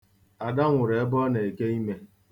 Ada nwụrụ ebe ọ na-eke ime.